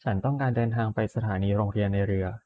ฉันต้องการเดินทางไปสถานีโรงเรียนนายเรือ